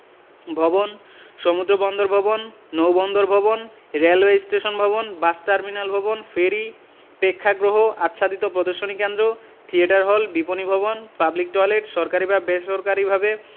ভবন সমুদ্র বন্দর ভবন নৌ বন্দর ভবন রেলওয়ে স্টেশন ভবন বাস টার্মিনাল ভবন ফেরি প্রেক্ষাগ্রহ আচ্ছাদিত প্রদর্শনী কেন্দ্র থিয়েটার হল বিপণী ভবন পাবলিক টয়েলেট সরকারী বা বেসরকারিভাবে